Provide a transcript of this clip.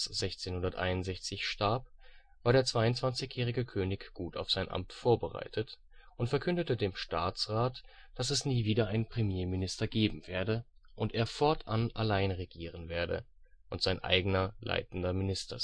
1661 starb, war der 22-jährige König gut auf sein Amt vorbereitet und verkündete dem Staatsrat, dass es nie wieder einen Premierminister geben werde und er fortan allein regieren werde und sein eigener Leitender Minister